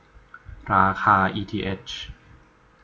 ราคาอีทีเฮช